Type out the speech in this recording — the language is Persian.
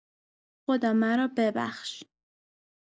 خدا مرا ببخش!